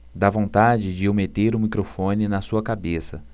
dá vontade de eu meter o microfone na sua cabeça